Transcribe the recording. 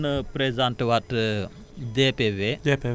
waaw xanaa di gën a présenter waat